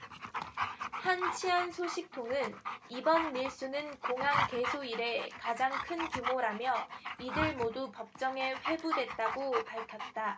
한 치안 소식통은 이번 밀수는 공항 개소 이래 가장 큰 규모라며 이들 모두 법정에 회부됐다고 밝혔다